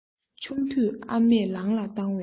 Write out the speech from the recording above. ཆུང དུས ཨ མས ལང ལ བཏང བའི བུ